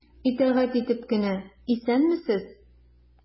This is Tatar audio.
Итагать итеп кенә:— Исәнмесез!